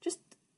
jyst